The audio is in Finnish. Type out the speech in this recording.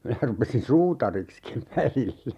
minä rupesin suutariksikin välillä